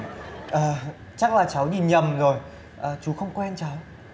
ờ chắc là cháu nhìn nhầm rồi chú không quen cháu